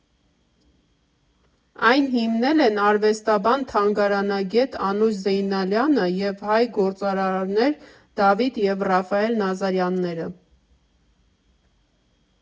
Այն հիմնել են արվեստաբան, թանգարանագետ Անուշ Զեյնալյանը և հայ գործարարներ Դավիթ և Ռաֆայել Նազարյանները։